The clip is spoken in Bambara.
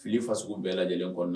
Fili faso sugu bɛɛ lajɛlen kɔnɔna na